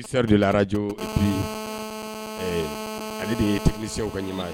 Seriduyaraj bi ale de ye tigiinikisɛw ka ɲɛmaa ye